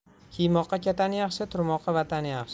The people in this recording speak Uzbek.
kiymoqqa katan yaxshi turmoqqa vatan yaxshi